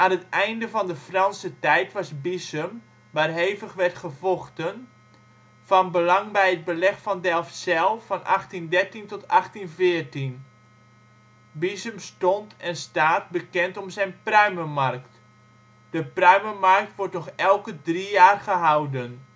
het einde van de Franse Tijd was Biessum, waar hevig werd gevochten, van belang bij het beleg van Delfzijl (1813-1814). Biessum stond en staat bekend om zijn pruimenmarkt. De pruimenmarkt wordt nog elke drie jaar gehouden